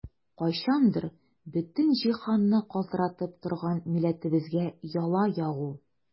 Кайчандыр бөтен җиһанны калтыратып торган милләтебезгә яла ягу!